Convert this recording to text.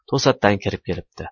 to'satdan kirib kelibdi